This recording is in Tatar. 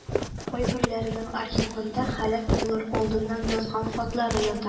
Кайберләренең архивымда һәлак булыр алдыннан язган хатлары ята.